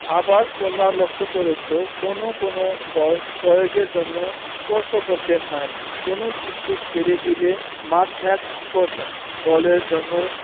আবার তোমরা লক্ষ করেছ কোনো কোনো বল প্রয়োগের জন্য স্পর্শ করতে হয় না কোনো কিছু ছেড়ে দিলে মাধ্যাকর্ষণ বলের জন্য